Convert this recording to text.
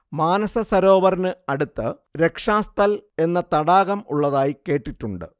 മാനസസരോവറിന് അടുത്ത് രാക്ഷസ്ഥൽ എന്ന തടാകം ഉളളതായി കേട്ടിട്ടുണ്ട്